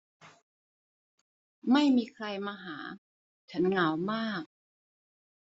ไม่มีใครมาหาฉันเหงามาก